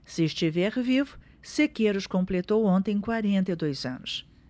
se estiver vivo sequeiros completou ontem quarenta e dois anos